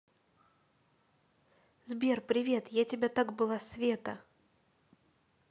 сбер привет я тебя так была света